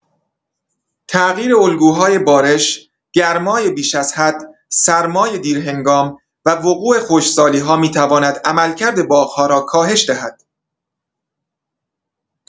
تغییر الگوهای بارش، گرمای بیش از حد، سرمای دیرهنگام و وقوع خشکسالی‌ها می‌تواند عملکرد باغ‌ها را کاهش دهد.